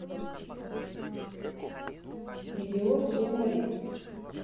medeor чего мориц